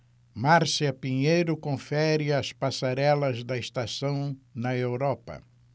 márcia pinheiro confere as passarelas da estação na europa